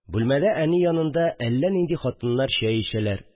Бүлмәдә әни янында әллә нинди хатыннар чәй эчәләр